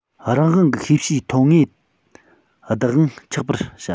རང དབང གི ཤེས བྱའི ཐོན དངོས བདག དབང ཆགས པར བྱ